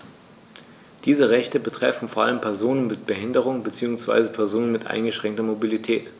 Diese Rechte betreffen vor allem Personen mit Behinderung beziehungsweise Personen mit eingeschränkter Mobilität.